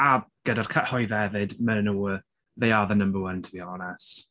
A gyda'r cyhoedd hefyd maen nhw... they are the number one to be honest.